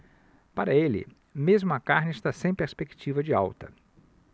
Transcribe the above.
para ele mesmo a carne está sem perspectiva de alta